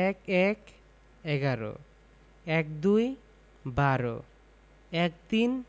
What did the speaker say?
১১ - এগারো ১২ - বারো ১৩